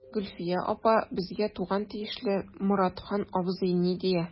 Гөлфия апа, безгә туган тиешле Моратхан абзый ни дия.